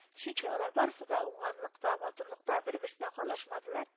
Чөнки алар барысы да уңганлыкта, матурлыкта бер-берсенә калышмадылар